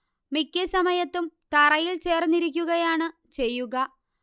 മിക്ക സമയത്തും തറയിൽ ചേർന്നിരിക്കുകയാണ് ചെയ്യുക